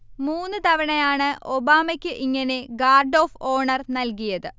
മൂന്ന് തവണയാണ് ഒബാമയ്ക്ക് ഇങ്ങനെ 'ഗാർഡ് ഒഫ് ഓണർ' നൽകിയത്